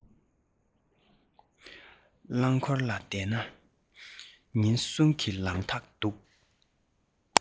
རླངས འཁོར ལ བསྡད ན ཉིན གསུམ གྱི ལམ ཐག འདུག